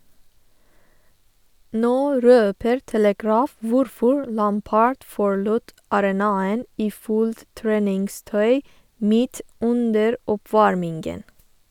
Nå røper Telegraph hvorfor Lampard forlot arenaen i fullt treningstøy midt under oppvarmingen.